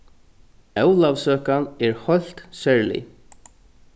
ólavsøkan er heilt serlig